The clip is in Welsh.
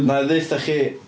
Wna i ddeud wrtha chi...